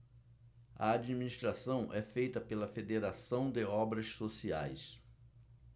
a administração é feita pela fos federação de obras sociais